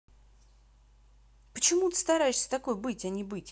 почему ты стараешься такой быть а не быть